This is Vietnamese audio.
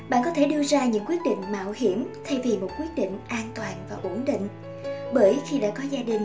bạn có thể đưa ra những quyết định mạo hiểm thay vì một quyết định an toàn và ổn định bởi khi đã có gia đình